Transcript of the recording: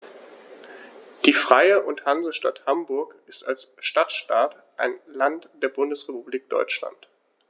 Die Freie und Hansestadt Hamburg ist als Stadtstaat ein Land der Bundesrepublik Deutschland.